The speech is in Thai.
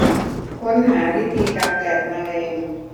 ค้นหาวิธีกำจัดแมลง